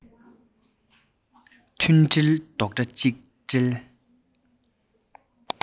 མཐུན སྒྲིལ རྡོག རྩ གཅིག སྒྲིལ